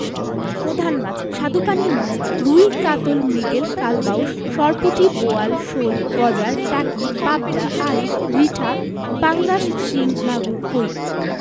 প্রধান মাছঃ স্বাদুপানির মাছ রুই কাতল মৃগেল কালবাউস সরপুঁটি বোয়াল শোল গজার টাকি পাবদা আইড় রিঠা পাঙ্গাস শিং মাগুর কৈ